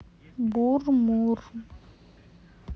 бур мур